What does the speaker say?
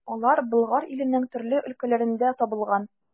Алар Болгар иленең төрле өлкәләрендә табылган.